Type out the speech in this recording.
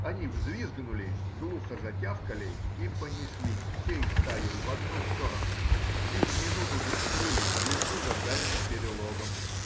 они взвизгнули, глухо затявкали и понеслись всей стаей в одну сторону и в минуту же скрылись в лесу за дальним перелогом.